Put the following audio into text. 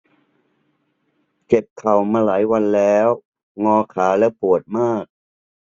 เจ็บเข่ามาหลายวันแล้วงอขาแล้วปวดมาก